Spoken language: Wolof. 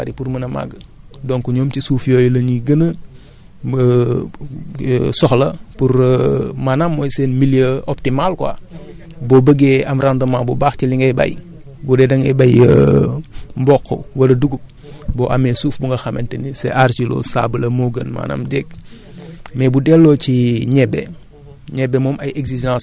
danu soxla ndox mu bëri pour mën a màgg donc ñoom ci suuf yooyu la ñuy gën soxla pour maanaam mooy seen milieu optimal quoi boo bëggee am rendement bu baax ci li ngay bay bu dee da ngay bay mboq wala dugub boo amee suuf bu nga xamante ni c' est argileux sableux moo gën maanaam déeg mais bu delloo ci ñebe